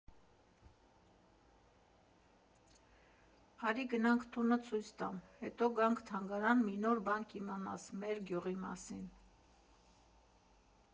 Արի գնանք տունը ցույց տամ, հետո գանք թանգարան՝ մի նոր բան կիմանաս մեր գյուղի մասին։